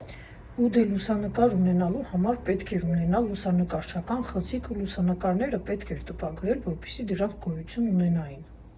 Ու դե լուսանկար անելու համար պետք էր ունենալ լուսանկարչական խցիկ ու լուսանկարները պետք էր տպագրել, որպեսզի դրանք գոյություն ունենային։